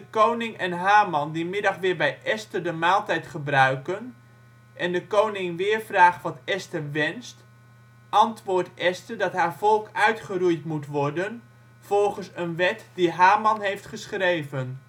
koning en Haman die middag weer bij Esther de maaltijd gebruiken en de koning weer vraagt wat Esther wenst, antwoordt Esther dat haar volk uitgeroeid moet worden, volgens een wet die Haman heeft geschreven